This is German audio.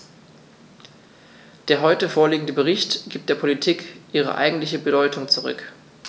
Der heute vorliegende Bericht gibt der Politik ihre eigentliche Bedeutung zurück.